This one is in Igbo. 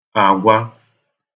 àgwa